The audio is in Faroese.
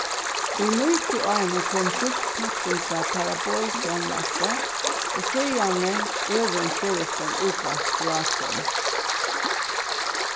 í nítiárunum kom fyrst kapping frá parabolsjónvarpi og síðani øðrum føroyskum útvarpsrásum